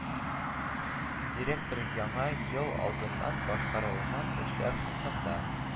Директор яңа ел алдыннан башкарылган эшләр хакында